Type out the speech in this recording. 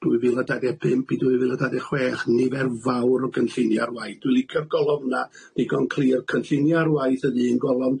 Dwy fil a dau dde' pump i dwy fil a dau dde' chwech, nifer fawr o gynllunio ar waith. Dwi licio'r golofna' ddigon clir, cynllunio ar waith yn un golofn,